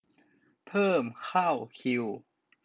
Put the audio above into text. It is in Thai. เพิ่มเข้าคิว